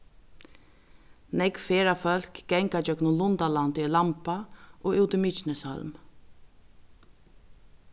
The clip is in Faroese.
nógv ferðafólk ganga gjøgnum lundalandið í lamba og út í mykineshólm